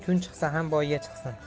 kun chiqsa ham boyga chiqsin